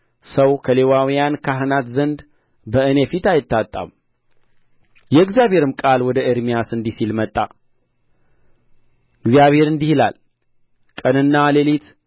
ሰው ከሌዋውያን ካህናት ዘንድ በእኔ ፊት አይታጣም የእግዚአብሔርም ቃል ወደ ኤርምያስ እንዲህ ሲል መጣ እግዚአብሔር እንዲህ ይላል ቀንና ሌሊት